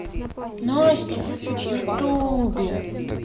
настя в ютубе